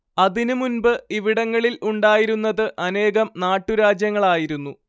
അതിന് മുൻപ് ഇവിടങ്ങളിൽ ഉണ്ടായിരുന്നത് അനേകം നാട്ടുരാജ്യങ്ങളായിരുന്നു